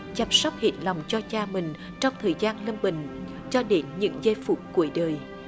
chăm sóc hết lòng cho cha mình trong thời gian lâm bệnh cho đến những giây phút cuối đời